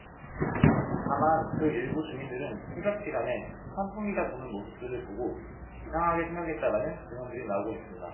다만 그 일부 주민들은 새벽 시간에 환풍기가 도는 모습들을 보고 이상하게 생각했다라는 증언들이 나오고 있습니다